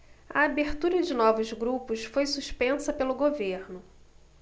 a abertura de novos grupos foi suspensa pelo governo